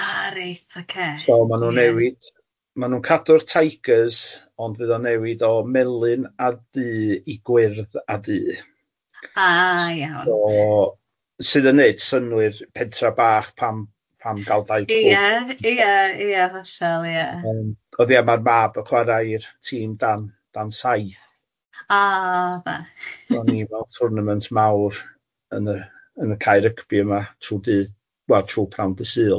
A reit ocê... So ma' nhw'n newid, ma' nhw'n cadw'r Tigers ond fydd o'n newid o melyn a du i gwyrdd a du. ...a iawn. So sydd yn neud synnwyr pentra bach pam pam gal dau clwb... Ie ie ie hollol ie. ...yym ond ia ma'r mab yn chwarae i'r tîm dan dan saith... Oh bych. ...a ma' ni'n gweld twrnament mawr yn y yn y cae rygbi yma trw dydd wel trw pnawn dydd Sul.